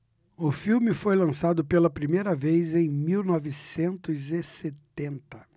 o filme foi lançado pela primeira vez em mil novecentos e setenta